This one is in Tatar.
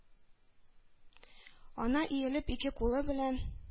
Ана, иелеп, ике кулы белән